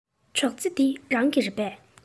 སྒྲོག རྩེ འདི རང གི རེད པས